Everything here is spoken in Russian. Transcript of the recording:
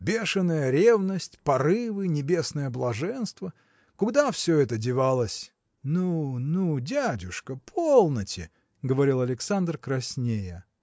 Бешеная ревность, порывы, небесное блаженство. куда все это девалось?. – Ну, ну, дядюшка, полноте! – говорил Александр, краснея.